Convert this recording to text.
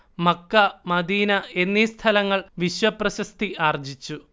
Mecca Medina എന്നീ സ്ഥലങ്ങൾ വിശ്വപ്രശസ്തിയാർജിച്ചു